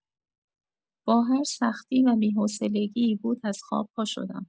با هر سختی و بی‌حوصلگی بود از خواب پاشدم.